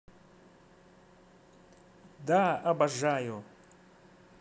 да обожаю